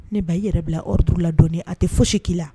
Ne ba i yɛrɛ bila ordre la dɔɔni a tɛ foyisi k'i la.